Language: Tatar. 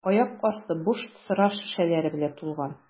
Аяк асты буш сыра шешәләре белән тулган.